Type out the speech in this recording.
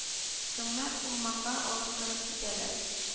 Соңыннан урманга алып кереп китәләр